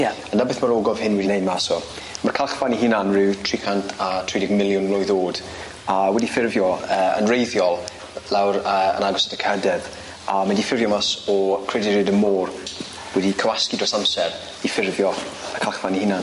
Ie. A 'ny beth ma'r ogof hyn wedi wneud mas o ma'r calchfaen ei hunan ryw tri cant a tri deg miliwn mlwydd o'd a wedi ffurfio yy yn wreiddiol lawr yy yn agos at y cardedd a mae 'di ffurfio mas o creaduriaid y môr wedi cywasgu dros amser i ffurfio y calchfaen 'i hunan.